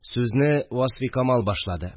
Сүзне Васфикамал башлады